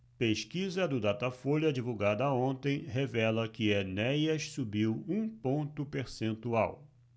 pesquisa do datafolha divulgada ontem revela que enéas subiu um ponto percentual